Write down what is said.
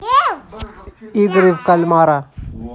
игры в кальмара